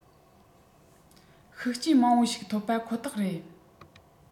ཤུགས རྐྱེན མང པོ ཞིག ཐོབ པ ཁོ ཐག རེད